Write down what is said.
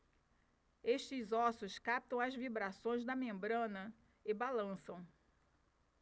estes ossos captam as vibrações da membrana e balançam